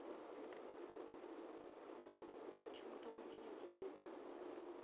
почему то у меня нет звука